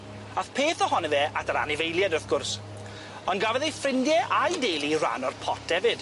Ath peth ohono fe at yr anifeilied wrth gwrs ond gafodd ei ffrindie a'i deulu ran o'r pot efyd.